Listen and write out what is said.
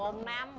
một năm